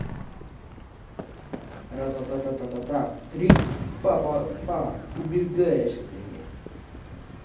ратататата три папапа убегаешь от меня